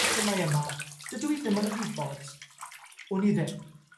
patrymau yma, dydw i ddim yn gwybod, wn i ddim.